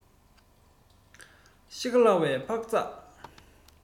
ཤི ཁར གླ བའི འཕག ཚག